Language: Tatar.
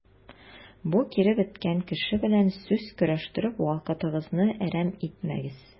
Бу киребеткән кеше белән сүз көрәштереп вакытыгызны әрәм итмәгез.